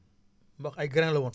mboq ay grains la woon